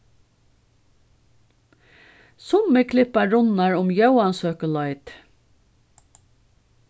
summi klippa runnar um jóansøkuleitið